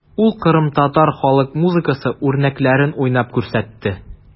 Ул кырымтатар халык музыкасы үрнәкләрен уйнап күрсәтте.